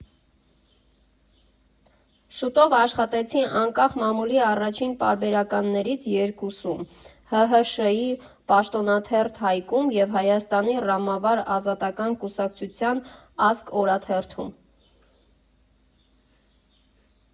Շուտով աշխատեցի անկախ մամուլի առաջին պարբերականներից երկուսում՝ ՀՀՇ֊ի պաշտոնաթերթ «Հայք»֊ում և Հայաստանի Ռամկավար Ազատական կուսակցության «Ազգ» օրաթերթում։